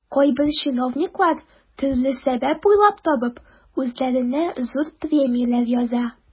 Кайбер чиновниклар, төрле сәбәп уйлап табып, үзләренә зур премияләр яза.